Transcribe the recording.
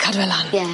Cadw e lan. Ie.